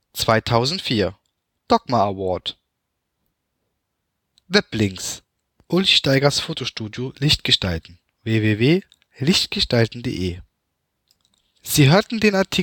2004: Docma-Award